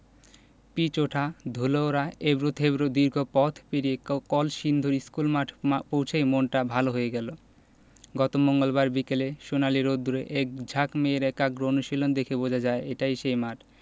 pitch ওঠা ধুলো ওড়া এবড়োখেবড়ো দীর্ঘ পথ পেরিয়ে কলসিন্দুর স্কুলমাঠে পৌঁছেই মনটা ভালো হয়ে গেল গত মঙ্গলবার বিকেলে সোনালি রোদ্দুরে একঝাঁক মেয়ের একাগ্র অনুশীলন দেখেই বোঝা যায় এটাই সেই মাঠ